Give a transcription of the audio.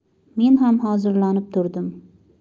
men ham hozirlanib turdim